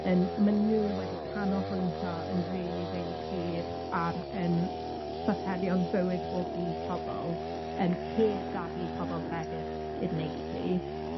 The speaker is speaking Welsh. yym ma' n'w wedi canolbwyntio yn rili, rili clir ar yym faterion bywyd bob dydd pobol yym heb daflu pobol bregus i'r neilltu.